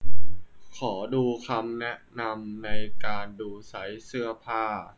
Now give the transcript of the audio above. ขอดูคำแนะนำในการดูไซส์เสื้อผ้า